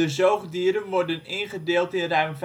zoogdieren worden ingedeeld in ruim